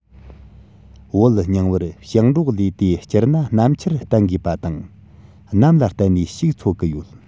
བོད རྙིང པར ཞིང འབྲོག ལས དེ སྤྱིར ན གནམ ཆུར བརྟེན དགོས པ དང གནམ ལ བརྟེན ནས ཕྱུགས འཚོ གི ཡོད